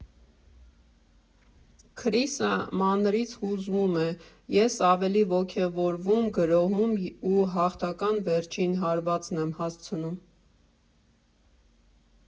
Քրիսը մանրից հուզվում է, ես՝ ավելի ոգևորվում, գրոհում ու հաղթական վերջին հարվածն եմ հասցնում։